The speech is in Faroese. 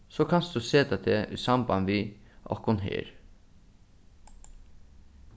so kanst tú seta teg í samband við okkum her